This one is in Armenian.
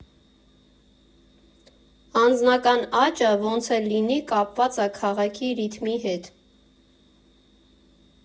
Անձնական աճը ոնց էլ լինի՝ կապված ա քաղաքի ռիթմի հետ։